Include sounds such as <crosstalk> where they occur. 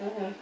<hesitation> <hesitation>